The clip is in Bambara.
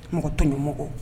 Mɔgɔ tɔɲɔn mɔgɔ